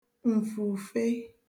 m̀fùfe